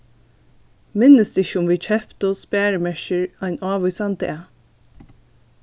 minnist ikki um vit keyptu sparimerkir ein ávísan dag